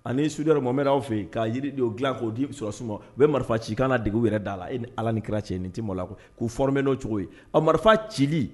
Ani sudi mame' fɛ yen ka jiri don dilan k'o di bɛ sɔrɔ suma u bɛ marifa ci kana dugu wɛrɛ da a la ni ala ni kɛra cɛ ni te ma la k'u f bɛ n'o cogo ye a marifa ci